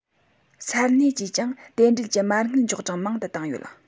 ས གནས ཀྱིས ཀྱང དེ འབྲེལ གྱི མ དངུལ འཇོག གྲངས མང དུ བཏང ཡོད